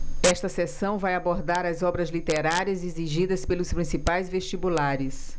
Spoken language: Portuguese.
esta seção vai abordar as obras literárias exigidas pelos principais vestibulares